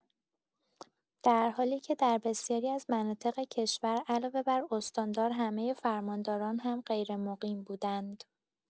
در حالی که در بسیاری از مناطق کشور علاوه بر استاندار، همه فرمانداران هم غیرمقیم بودند.